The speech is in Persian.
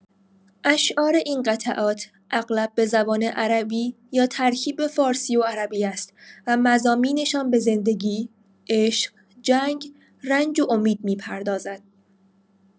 اشعار این قطعات اغلب به زبان عربی یا ترکیب فارسی و عربی است و مضامینشان به زندگی، عشق، جنگ، رنج و امید می‌پردازد.